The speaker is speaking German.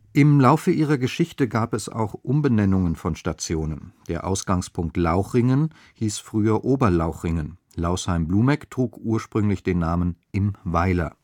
Im Laufe ihrer Geschichte gab es auch Umbenennungen von Stationen: Der Ausgangspunkt Lauchringen hieß früher Oberlauchringen, Lausheim-Blumegg trug ursprünglich den Namen Im Weiler